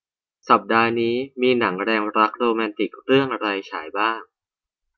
สัปดาห์นี้มีหนังแนวรักโรแมนติกเรื่องอะไรฉายบ้าง